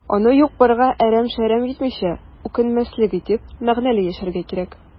Аны юк-барга әрәм-шәрәм итмичә, үкенмәслек итеп, мәгънәле яшәргә кирәк.